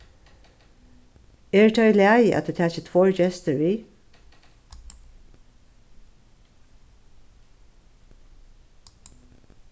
er tað í lagi at eg taki tveir gestir við